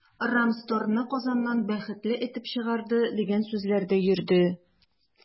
“рамстор”ны казаннан “бәхетле” этеп чыгарды, дигән сүзләр дә йөрде.